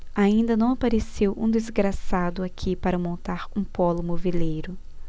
ainda não apareceu um desgraçado aqui para montar um pólo moveleiro